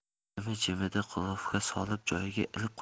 imi jimida g'ilofga solib joyiga ilib qo'ydik